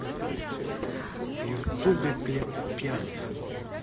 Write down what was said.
в ютубе глеб пьяных